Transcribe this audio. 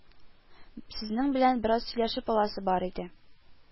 Сезнең белән бераз сөйләшеп аласы бар иде